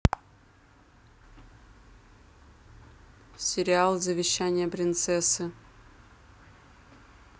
сериал завещание принцессы